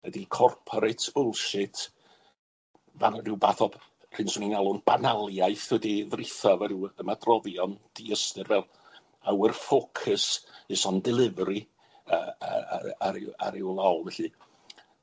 ydi corporate bullshit, fan 'na ryw fath o b- rhywun swn i'n galw'n banaliaeth wedi fritho efo ryw ymadroddion di-ystyr fel our focus is on delivery yy yy yy a ryw a ryw lol felly.